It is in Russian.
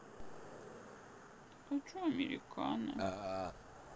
хочу американо